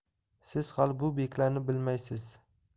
siz hali bu beklarni bilmaysiz